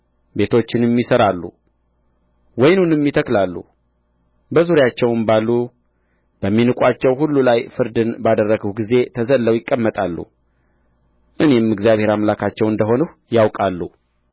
ቤቶችንም ይሠራሉ ወይኑንም ይተክላሉ በዙሪያቸውም ባሉ በሚንቋቸው ሁሉ ላይ ፍርድን ባደረግሁ ጊዜ ተዘልለው ይቀመጣሉ እኔም እግዚአብሔር አምላካቸው እንደ ሆንሁ ያውቃሉ